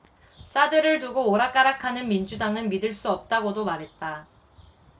사드를 두고 오락가락하는 민주당은 믿을 수 없다고도 말했다